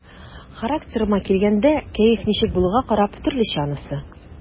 Характерыма килгәндә, кәеф ничек булуга карап, төрлечә анысы.